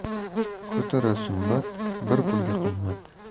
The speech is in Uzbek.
ko'tara sumbat bir pulga qimmat